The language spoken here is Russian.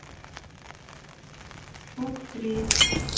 пук три